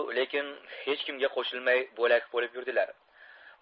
lekin hech kimga qo'shilmay bolak bo'lib yurdilar